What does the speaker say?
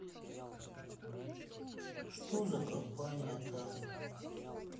что за компания там